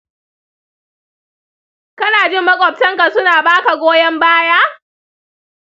kana jin maƙwabtanka suna ba ka goyon baya?